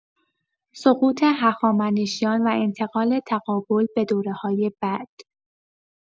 سقوط هخامنشیان و انتقال تقابل به دوره‌های بعد